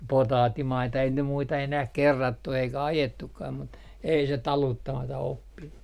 potaattimaita ei ne muita enää kerrattu eikä ajettukaan mutta ei se taluttamatta oppinut